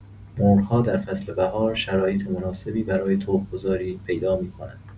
مرغ‌ها در فصل بهار شرایط مناسبی برای تخم‌گذاری پیدا می‌کنند.